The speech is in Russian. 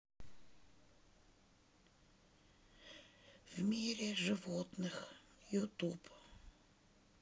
в мире животных ютуб